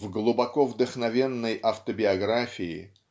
В глубоко вдохновенной автобиографии